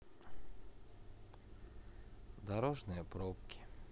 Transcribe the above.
дорожные пробки